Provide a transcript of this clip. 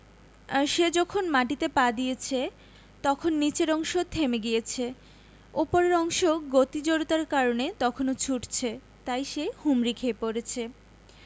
সে যখন মাটিতে পা দিয়েছে তখন নিচের অংশ থেমে গিয়েছে ওপরের অংশ গতি জড়তার কারণে তখনো ছুটছে তাই সে হুমড়ি খেয়ে পড়েছে